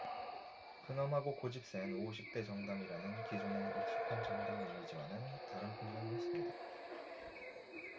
근엄하고 고집센 오십 대 정당이라는 기존의 익숙한 정당 이미지와는 다른 풍경이었습니다